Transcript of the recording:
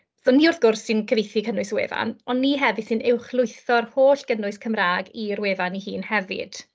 So ni wrth gwrs sy'n cyfieithu cynnwys y wefan, ond ni hefyd sy'n uwchlwytho'r holl gynnwys Cymraeg i'r wefan ei hun hefyd.